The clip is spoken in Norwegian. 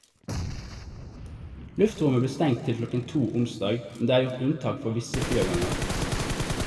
Luftrommet blir stengt til kl. 02 onsdag, men det er gjort unntak for visse flyavganger.